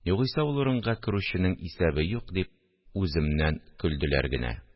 Югыйсә ул урынга керүченең исәбе юк... – дип, үземнән көлделәр генә